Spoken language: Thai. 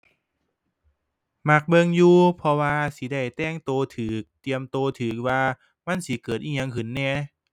มักเบิ่งอยู่ เพราะว่าสิได้แต่งตัวตัว เตรียมตัวตัวว่า มันสิเกิดอิหยังขึ้นแหน่